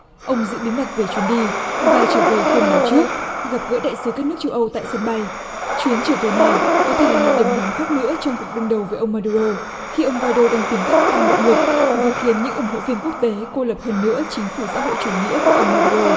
ông giữ bí mật về chuyến đi và trở về không báo trước gặp gỡ đại sứ các nước châu âu tại sân bay chuyến trở về này có thể là một điểm nóng khác nữa trong cuộc đương đầu với ông ma đu rô khi ông goai đô đang tìm cách tăng động lực và khiến những ủng hộ viên quốc tế cô lập hơn nữa chính phủ xã hội chủ nghĩa của ông ma đu rô